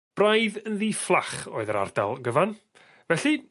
Braidd yn ddifflach oedd yr ardal gyfan felly